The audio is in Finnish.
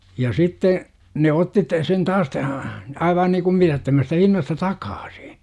ja sitten ne otti - sen taas tähän aivan niin kuin mitättömästä hinnasta takaisin